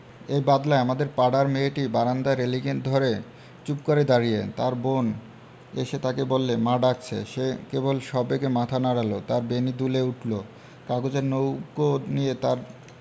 এই বাদলায় আমাদের পাড়ার মেয়েটি বারান্দায় রেলিঙ ধরে চুপ করে দাঁড়িয়ে তার বোন এসে তাকে বললে মা ডাকছে সে কেবল সবেগে মাথা নাড়ল তার বেণী দুলে উঠল কাগজের নৌকো নিয়ে তার